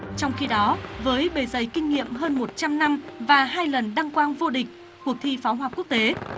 trong khi đó với bề dày kinh nghiệm hơn một trăm năm và hai lần đăng quang vô địch cuộc thi pháo hoa quốc tế